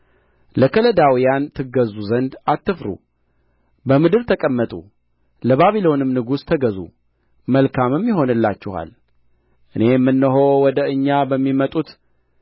ለከለዳውያን ትገዙ ዘንድ አትፍሩ በምድር ተቀመጡ ለባቢሎንም ንጉሥ ተገዙ መልካምም ይሆንላችኋል እኔም እነሆ ወደ እኛ በሚመጡት